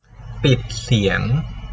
ปิดเสียง